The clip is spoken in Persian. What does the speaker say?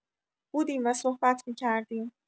بودیم و صحبت می‌کردیم.